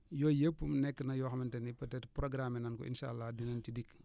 yooyu yëpp nekk na yoo xamante ne peut être programmé nan ko incha allah dinañ ci dikk